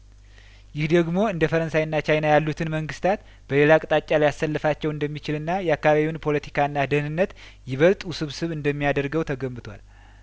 ይህ ደግሞ እንደፈረንሳይና ቻይና ያሉትን መንግስታት በሌላ አቅጣጫ ሊያሰልፋቸው እንደሚችልና የአካባቢውን ፖለቲካና ደህንነት ይበልጥ ውስብስብ እንደሚያደርገው ተገምቷል